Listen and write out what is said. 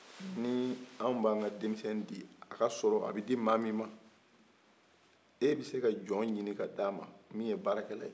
ni an be anw ka denisɛn di o k'a sɔrɔ a be di maa min man e bise ka jɔn ɲini ka d'ama min ye baarakɛla ye